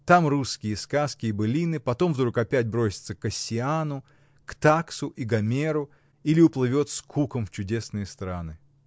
там русские сказки и былины, потом вдруг опять бросится к Оссиану, к Тассу и Гомеру или уплывет с Куком в чудесные страны.